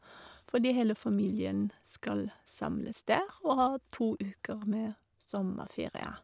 Fordi hele familien skal samles der og ha to uker med sommerferie.